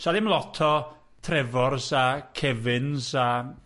Sa ddim lot o Trefors a Kevins a... Na.